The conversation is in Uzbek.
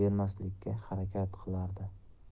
bermaslikka harakat qilardi